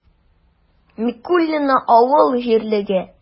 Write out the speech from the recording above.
Микулино авыл җирлеге